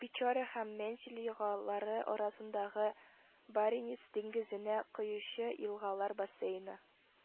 Печора һәм Мезень елгалары арасындагы, Баренец диңгезенә коючы, елгалар бассейны